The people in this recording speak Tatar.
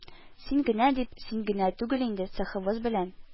Син генә дип, син генә түгел инде: цехыбыз белән